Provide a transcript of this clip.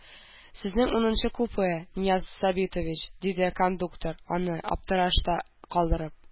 Сезнең унынчы купе, Нияз Сабитович, диде кондуктор, аны аптырашта калдырып.